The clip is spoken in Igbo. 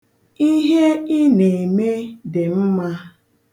Ihe ị na-eme dị mma.